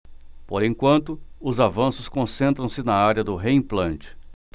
por enquanto os avanços concentram-se na área do reimplante